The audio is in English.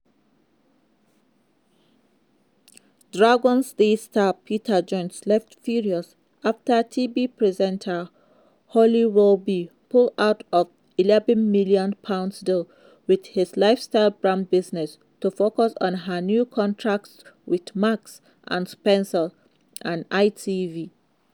Dragons Den star Peter Jones left 'furious' after TV presenter Holly Willoughby pulls out of £11million deal with his lifestyle brand business to focus on her new contracts with Marks and Spencer and ITV